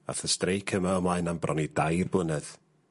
Ath y streic yma ymlaen am bron i dair blynedd.